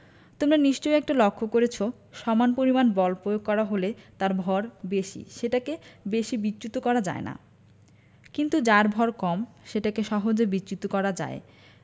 তোমরা নিশ্চয়ই একটা লক্ষ করেছ সমান পরিমাণ বল প্রয়োগ করা হলে তার ভর বেশি সেটাকে বেশি বিচ্যুত করা যায় না কিন্তু যার ভয় কম সেটাকে সহজে বিচ্যুত করা যায়